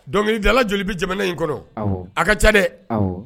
Dɔnkilijala joli bɛ jamana in kɔnɔ a ka ca dɛ